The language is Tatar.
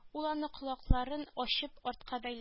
Ул аны колакларын ачып артка бәйләгән